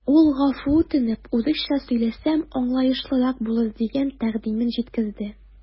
Ул гафу үтенеп, урысча сөйләсәм, аңлаешлырак булыр дигән тәкъдимен җиткерде.